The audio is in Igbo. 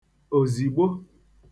òzìgbo